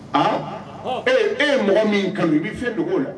A ee e ye mɔgɔ min kan i bɛ se dogo la